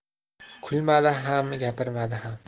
kulmadi ham gapirmadi ham